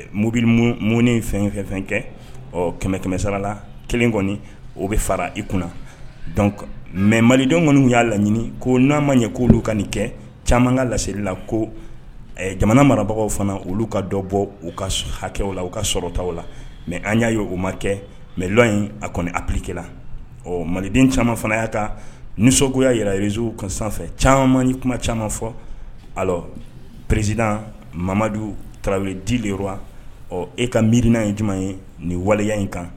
Mobili m fɛn fɛn fɛn kɛ ɔ kɛmɛ kɛmɛsarala kelen kɔni o bɛ fara i kunna mɛ malidɔn kɔni y'a laɲini ko n'an ma ɲɛ'olu ka nin kɛ caman ka laeli la ko jamana marabagaw fana olu ka dɔ bɔ u ka hakɛw la u ka sɔrɔta la mɛ an y'a ye ma kɛ mɛ dɔn in a kɔni apkɛla la ɔ maliden caman fana y'a ta ni sogoyaa jira z ka sanfɛ caman ni kuma caman fɔ a prerisid mamadu taraweledi le wa ɔ e ka miiririnina ye jumɛn ye ni waleya in kan